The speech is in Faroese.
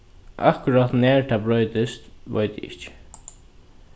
akkurát nær tað broytist veit eg ikki